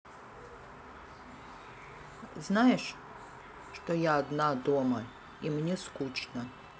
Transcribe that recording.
знаешь что я одна дома и мне скучно